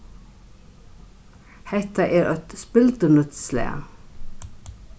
hetta er eitt spildurnýtt slag